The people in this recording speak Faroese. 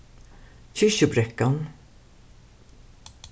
kirkjubrekkan